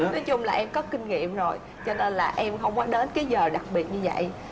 nói chung là em có kinh nghiệm rồi cho nên là em không có đến cái giờ đặc biệt như vậy